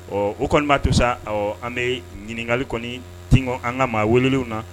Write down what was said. Ɔ o kɔni'a to sa ɔ an bɛ ɲininkakali kɔni tɔn an ka maa welew na